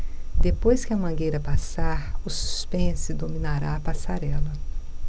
depois que a mangueira passar o suspense dominará a passarela